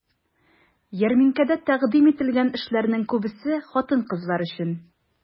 Ярминкәдә тәкъдим ителгән эшләрнең күбесе хатын-кызлар өчен.